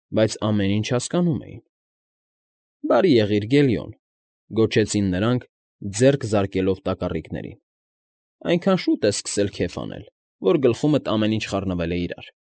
Բայց ամեն ինչ հասկանում էին։ ֊ Բարի եղիր, Գելիոն,֊ գոչեցին նրանք՝ ձեռք զարկելով տակառիկներին։֊ Այդքան շուտ ես սկսել քեֆ անել, որ գլխումդ ամեն ինչ խառնվել է իրար։